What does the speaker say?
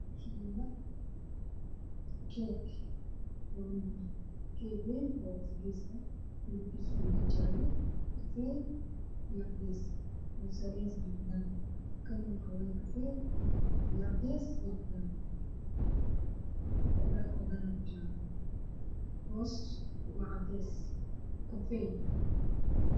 Meeshaan maxaa yaalo doorsho ku jirto weel midabkeedu yahay jaalo qof ay ag taagan